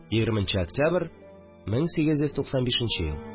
20 нче октября 1895 ел